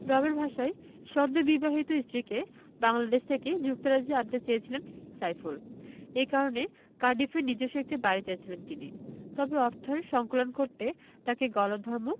রবের ভাষায় সদ্যবিবাহিত স্ত্রীকে বাংলাদেশ থেকে যুক্তরাজ্যে আনতে চেয়েছিলেন সাইফুল এ কারণে কার্ডিফে নিজস্ব একটি বাড়ি চাইছিলেন তিনি তবে অর্থের সংকুলান করতে তাঁকে গলদঘর্ম